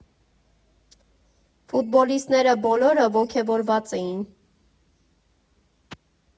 Ֆուտբոլիստները բոլորը ոգևորված էին։